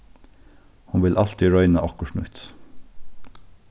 hon vil altíð royna okkurt nýtt